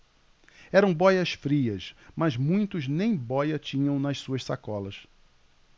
eram bóias-frias mas muitos nem bóia tinham nas suas sacolas